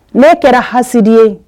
Ne kɛra hadi ye